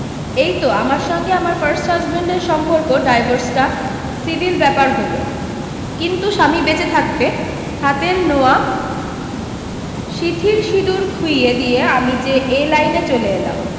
এই তো আমার সঙ্গে আমার ফার্স্ট হাজবেণ্ডের সম্পর্ক ডাইভোর্সটা সিভিল ব্যাপার হলো কিন্তু স্বামী বেঁচে থাকতে হাতের নোয়া সিঁথির সিঁদুর খুইয়ে দিয়ে আমি যে এ লাইনে চলে এলাম